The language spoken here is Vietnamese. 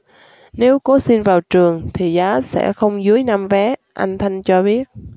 nếu cố xin vào trường thì giá sẽ không dưới năm vé anh thanh cho biết